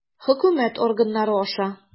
Хөкүмәт органнары аша.